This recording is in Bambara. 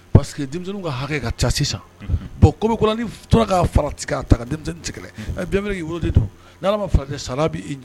Parceseke hakɛ ka sisan tora tɛ ki